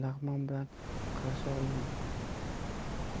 lag'mon bilan qarshi olindi